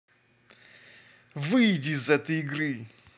выйди из этой игры